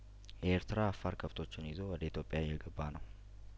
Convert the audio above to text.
የኤርትራ አፋር ከብቶቹን ይዞ ወደ ኢትዮጵያ እየገባ ነው